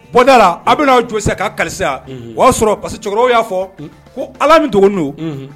Bɔ da la, aw bɛ k'aw jo k'aw k'ale , o y'a sɔrɔ parce que cɛkɔrɔba y'a fɔ ko allah min dogolen don